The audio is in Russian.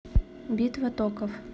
битва токов